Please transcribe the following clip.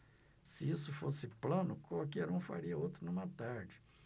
se isso fosse plano qualquer um faria outro numa tarde